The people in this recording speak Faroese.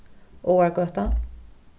áargøta